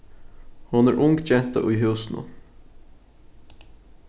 hon er ung genta í húsinum